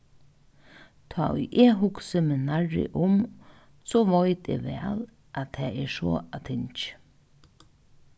tá ið eg hugsi meg nærri um so veit eg væl at tað er so á tingi